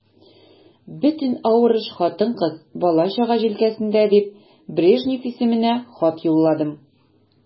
Бөтен авыр эш хатын-кыз, бала-чага җилкәсендә дип, Брежнев исеменә хат юлладым.